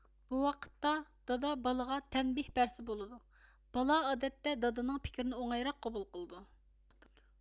بۇ ۋاقىتتا دادا بالىغا تەنبىھ بەرسە بولىدۇ بالا ئادەتتە دادىنىڭ پىكرىنى ئوڭايراق قوبۇل قىلىدۇ